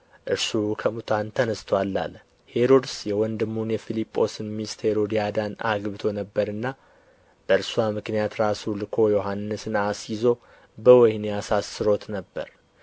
እርሱ ከሙታን ተነሥቶአል አለ ሄሮድስ የወንድሙን የፊልጶስን ሚስት ሄሮድያዳን አግብቶ ነበርና በእርስዋ ምክንያት ራሱ ልኮ ዮሐንስን አስይዞ በወኅኒ አሳስሮት ነበር